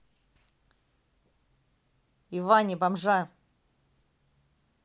иване бомжа